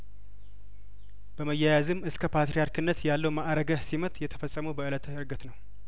በመያያዝም እስከ ፓትርያርክነት ያለው ማእረገ ሲመት የተፈጸመው በእለተ ህር ገት ነው